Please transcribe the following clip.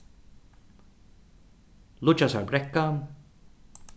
líggjasarbrekka